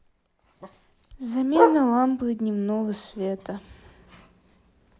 замена лампы дневного света